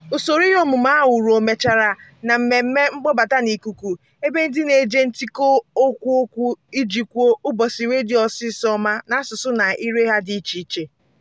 Usoro ihe omume ahụ ruo mechara na mmemme mkpọbata n'ikuku, ebe ndị na-ege ntĩkọ oku oku iji kwuo "Ụbọchị Redio osisi Ọma" n'asụsụ na ire ha dị iche iche: